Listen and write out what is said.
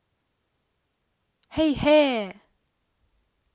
хэйхэ